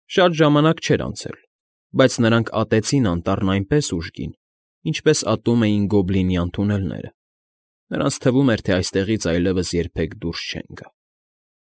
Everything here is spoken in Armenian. Շատ ժամանակ չէր անցել, բայց նրանք ատեցին անտառն այնպես ուժգին, ինչպես ատում էին գոբլինյան թունելները. նրանց թվում էր, թե այստեղից այլևս երբեք դուրս չեն գա։